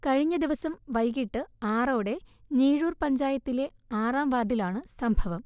കഴിഞ്ഞദിവസം വൈകീട്ട് ആറോടെ ഞീഴൂർ പഞ്ചായത്തിലെ ആറാം വാർഡിലാണ് സംഭവം